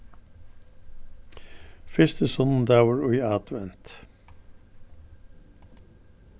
fyrsti sunnudagur í advent